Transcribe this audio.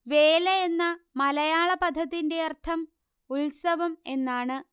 വേല എന്ന മലയാള പദത്തിന്റെ അര്ത്ഥം ഉത്സവം എന്നാണ്